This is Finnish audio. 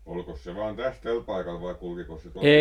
olikos se vain tässä tällä paikalla vai kulkikos se tuolla